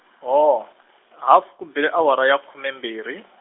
ho, hafu ku bile awara ya khume mbirhi .